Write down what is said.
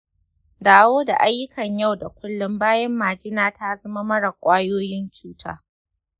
dawo da ayyukan yau da kullun bayan majina ta zama mara ƙwayoyin cuta.